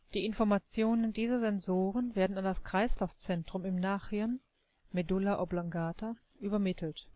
Informationen dieser Sensoren werden an das Kreislaufzentrum im Nachhirn (Medulla oblongata) übermittelt